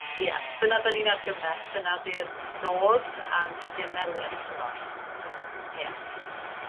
ia dyna 'dan ni'n argymell, dyna 'di'r nod a rwbath i anelu ato fo yym ia.